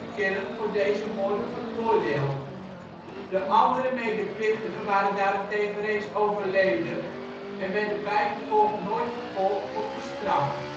Killen voor deze moorden veroordeeld. De andere medeplichtigen waren daarentegen reeds overleden en werden bijgevolg nooit vervolgd of gestraft